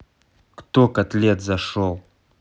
кто котлет зашел